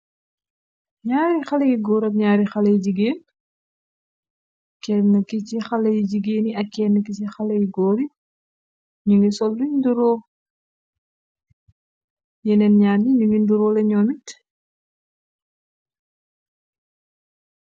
Nyaari xalé yi góor ak ñaari xalay jigeen kenn ki ci xalayi jigéeni ak kenn ki ci xalay góori ñu ngiy sollu nduroo yeneen ñaar ni ñu ngi nduroo leñoo mit.